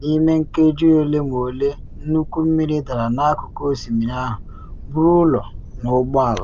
N’ime nkeji ole ma ole nnukwu mmiri dara n’akụkụ osimiri ahụ, buru ụlọ na ụgbọ ala.